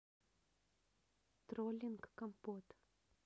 троллинг компот